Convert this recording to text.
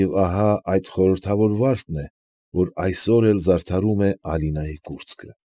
Եվ ահա այդ խորհրդավոր վարդն է, որ այսօր էլ զարդարում է Ալինայի կուրծքը։